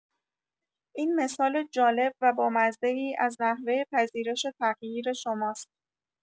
این مثال جالب و بامزه‌ای از نحوه پذیرش تغییر شماست.